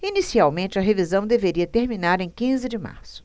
inicialmente a revisão deveria terminar em quinze de março